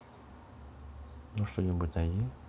ну что нибудь найди